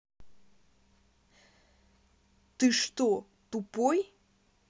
ты что тупой